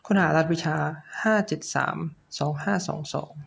ค้นหารหัสวิชาห้าเจ็ดสามสองห้าสองสอง